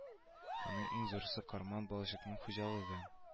Аның иң зурысы карман балыкчылык хуҗалыгы